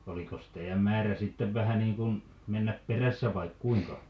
olikos teidän määrä sitten vähän niin kuin mennä perässä vai kuinka